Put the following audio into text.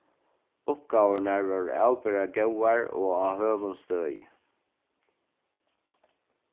uppgávurnar vóru avbera góðar og á høgum støði